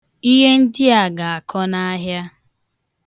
Ihe ndịa ga-akọ n'ahịa